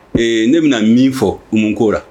Ee ne bɛna min fɔ u mun ko la